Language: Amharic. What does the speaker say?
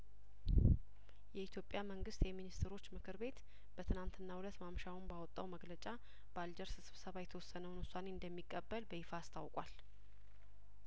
የኢትዮጵያ መንግስት የሚኒስትሮች ምክር ቤት በትናንትናው እለት ማምሻውን ባወጣው መግለጫ በአልጀርስ ስብሰባ የተወሰነውን ውሳኔ እንደሚቀበል በይፋ አስታውቋል